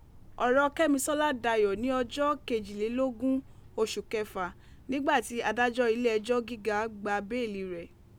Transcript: Ọrọ Kẹ́misọ́lá dayọ ni ọjọ kejilelogun oṣù Kẹfà nigba ti adajọ ile ẹjọ giga gba beeli rẹ.